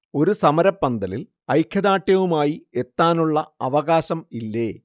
ഒരു സമരപന്തലിൽ ഐക്യദാർഢ്യവുമായി എത്താനുള്ള അവകാശം ഇല്ലേ